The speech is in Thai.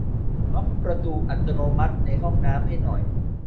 ล็อกประตูอัตโนมัติในห้องน้ำให้หน่อย